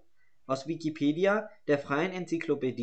aus Wikipedia, der freien Enzyklopädie